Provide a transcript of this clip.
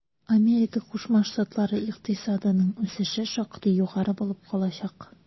АКШ икътисадының үсеше шактый югары булып калачак.